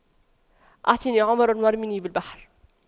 اعطني عمرا وارميني بالبحر